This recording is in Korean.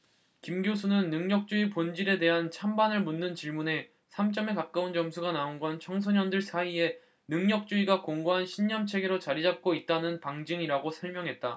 김 교수는 능력주의 본질에 대한 찬반을 묻는 질문에 삼 점에 가까운 점수가 나온 건 청소년들 사이에 능력주의가 공고한 신념체계로 자리잡고 있다는 방증이라고 설명했다